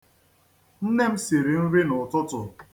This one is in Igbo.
Nne m siri nri n'ụtụtụ.